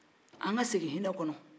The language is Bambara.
an ka segin hinɛ kɔnɔ